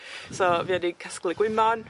So fuon ni'n casglu gwymon